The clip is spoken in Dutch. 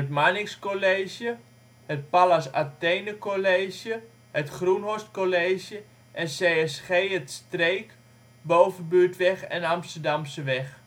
Marnix College Pallas Athene College Groenhorst College CSG Het Streek (Bovenbuurtweg en Amsterdamseweg